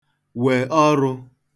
wè ọrụ̄